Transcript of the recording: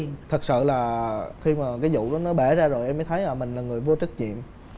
thật sự là khi mà cái vụ đó nó bể ra rồi em mới thấy mình là người vô trách nhiệm